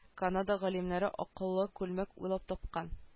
Канада галимнәре акыллы күлмәк уйлап тапкан